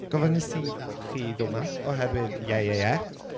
Gofynnais i chi ddod 'ma oherwydd Ie, Ie, Ie.